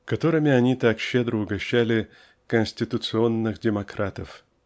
которыми они так щедро угощали конституционных демократов.